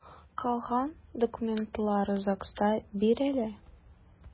Калган документлар ЗАГСта бирелә.